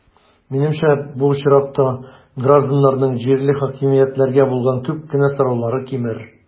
Минемчә, бу очракта гражданнарның җирле хакимиятләргә булган күп кенә сораулары кимер.